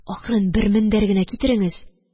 Акрын, бер мендәр генә китереңез,